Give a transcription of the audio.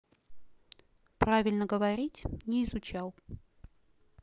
правильно говорить не изучал